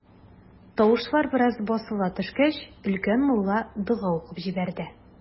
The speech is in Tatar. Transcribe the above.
Тавышлар бераз басыла төшкәч, өлкән мулла дога укып җибәрде.